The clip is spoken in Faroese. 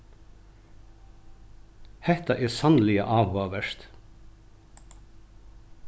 hetta er sanniliga áhugavert